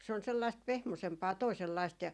se on sellaista pehmoisempaa toisenlaista ja